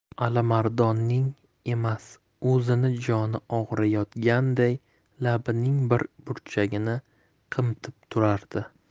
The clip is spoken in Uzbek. alimardonning emas o'zini joni og'riyotganday labining bir burchini qimtib turardi